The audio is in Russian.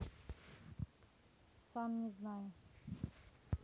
сам не знаю